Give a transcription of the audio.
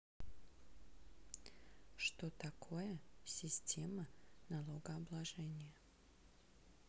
что такое система налогообложения